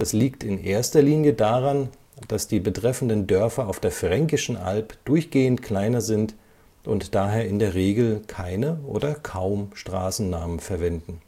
liegt in erster Linie daran, dass die betreffenden Dörfer auf der Fränkischen Alb durchgehend kleiner sind und daher in der Regel keine oder kaum Straßennamen verwenden